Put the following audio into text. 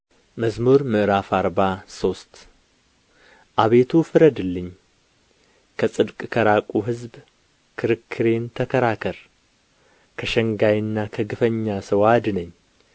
መዝሙር ምዕራፍ አርባ ሶስት አቤቱ ፍረድልኝ ከጽድቅ ከራቁ ሕዝብም ክርክሬን ተከራከር ከሸንጋይና ከግፈኛ ሰው አድነኝ